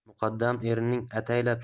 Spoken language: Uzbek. muqaddam erining ataylab